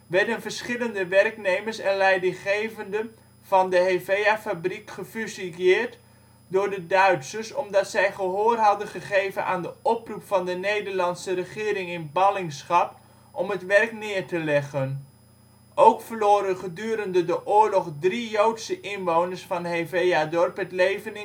werden verschillende werknemers en leidinggevenden van de Hevea-fabriek gefusilleerd door de Duitsers omdat zij gehoor hadden gegeven aan de oproep van de Nederlandse regering in ballingschap om het werk neer te leggen. Ook verloren gedurende de oorlog drie Joodse inwoners van Heveadorp het leven in